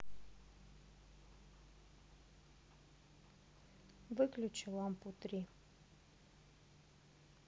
выключи лампу три